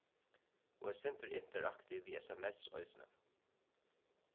og eitt sindur interaktiv við sms eisini